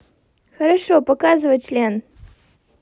хорошо показывай член